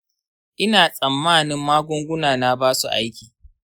ina tsammanin magungunana basu aiki.